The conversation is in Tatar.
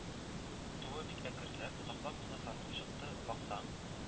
Туы бик әкренләп, озаклап кына «саркып чыкты»: баксаң,